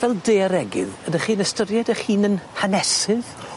Fel daearegydd ydych chi'n ystyried eich hun yn hanesydd?